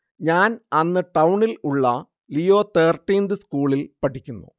ഞാൻ അന്ന് ടൗണിൽ ഉള്ള ലീയോ തേർട്ടീന്ത് സ്കൂളിൽ പഠിക്കുന്നു